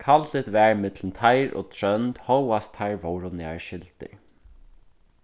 kaldligt var millum teir og trónd hóast teir vóru nær skyldir